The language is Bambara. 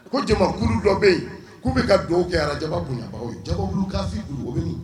Ko jamakuru dɔ bɛ yen k'u bɛ ka dugawu kɛ ara jaba kun ja kafi